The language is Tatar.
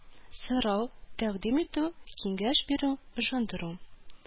Сорау, тəкъдим итү, киңəш бирү, ышандыру